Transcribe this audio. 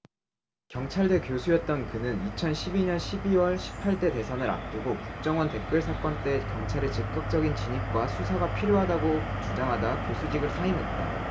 경찰대 교수였던 그는 이천 십 이 년 십 이 월 십 팔 대 대선을 앞두고 국정원 댓글 사건 때 경찰의 즉각적인 진입과 수사가 필요하다고 주장하다 교수직을 사임했다